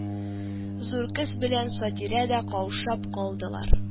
Зур кыз белән Сатирә дә каушап калдылар